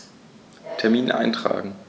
Termin eintragen